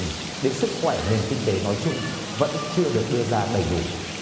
đến sức khỏe nền kinh tế nói chung vẫn chưa được đưa ra đầy đủ